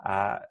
a